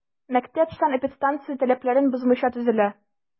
Мәктәп санэпидстанция таләпләрен бозмыйча төзелә.